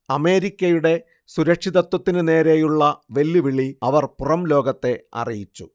അമേരിക്കയുടെ സുരക്ഷിതത്വത്തിനു നേരെയുള്ള വെല്ലുവിളി അവർ പുറംലോകത്തെ അറിയിച്ചു